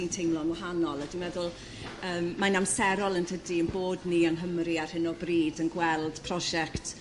sy'n teimlo'n wahanol a dwi'n meddwl yrm mae'n amserol yntydy? 'Yn bod ni yng Nghymru ar hyn o bryd yn gweld prosiect